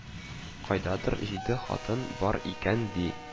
"кайдадыр җиде хатын бар икән, ди